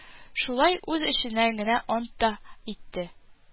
Шулай үз эченнән генә ант та итте